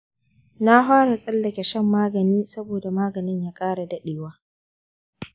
na fara tsallake shan magani saboda maganin ya ƙara daɗewa.